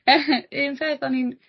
... un peth o'n i'n